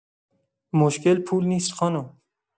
مشکل پول نیست خانم.